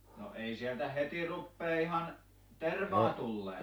no ei sieltä heti rupea ihan tervaa tulemaan